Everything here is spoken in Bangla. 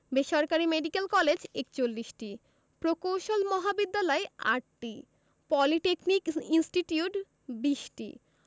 বেসরকারি মেডিকেল কলেজ ৪১টি প্রকৌশল মহাবিদ্যালয় ৮টি পলিটেকনিক ইনস্টিটিউট ২০টি